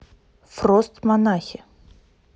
фрост монахи